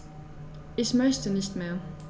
Ich möchte nicht mehr.